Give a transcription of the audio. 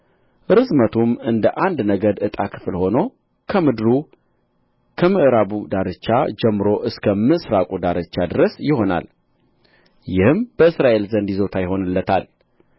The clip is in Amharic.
ርዝመቱም እንደ አንድ ነገድ ዕጣ ክፍል ሆኖ ከምድሩ ከምዕራቡ ዳርቻ ጀምሮ እስከ ምሥራቁ ዳርቻ ድረስ ይሆናል ይህም በእስራኤል ዘንድ ይዞታ ይሆንለታል